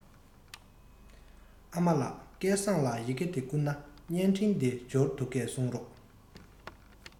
ཨ མ ལགས སྐལ བཟང ལ ཡི གེ བསྐུར ན བརྙན འཕྲིན དེ འབྱོར འདུག གསུངས རོགས